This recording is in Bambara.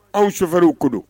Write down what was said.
Aw sufɛw ko don